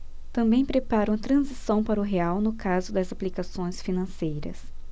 também preparam a transição para o real no caso das aplicações financeiras